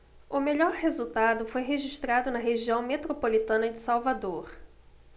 o melhor resultado foi registrado na região metropolitana de salvador